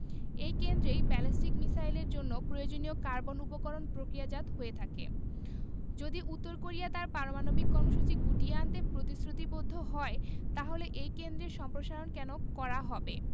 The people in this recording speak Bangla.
এই কেন্দ্রেই ব্যালিস্টিক মিসাইলের জন্য প্রয়োজনীয় কার্বন উপকরণ প্রক্রিয়াজাত হয়ে থাকে যদি উত্তর কোরিয়া তার পারমাণবিক কর্মসূচি গুটিয়ে আনতে প্রতিশ্রুতিবদ্ধ হয় তাহলে এই কেন্দ্রের সম্প্রসারণ কেন করা হবে